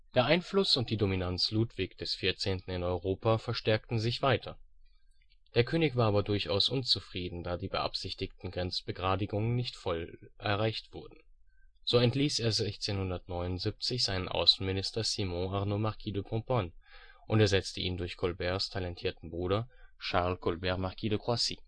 Der Einfluss und die Dominanz Ludwig XIV. in Europa verstärkten sich weiter. Der König war aber durchaus unzufrieden, da die beabsichtigten Grenzbegradigungen nicht völlig erreicht wurden, so entließ er 1679 seinen Außenminister Simon Arnaud Marquis de Pomponne und ersetzte ihn durch Colberts talentierten Bruder Charles Colbert Marquis de Croissy